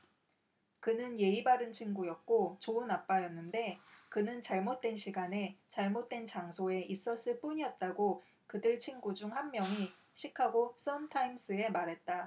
그는 예의 바른 친구였고 좋은 아빠였는데 그는 잘못된 시간에 잘못된 장소에 있었을 뿐이었다고 그들 친구 중 한 명이 시카고 선타임스에 말했다